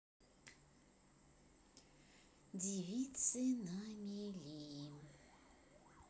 девицы на мели